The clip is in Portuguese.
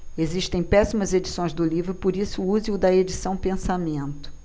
existem péssimas edições do livro por isso use o da edição pensamento